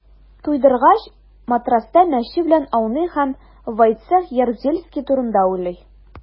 Туйдыргач, матраста мәче белән ауный һәм Войцех Ярузельский турында уйлый.